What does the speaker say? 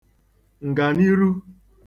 ǹgàniru